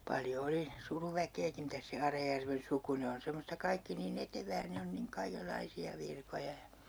paljon oli suruväkeäkin mitäs se Arajärven suku ne on semmoista kaikki niin etevää ne on niin kaikenlaisia virkoja ja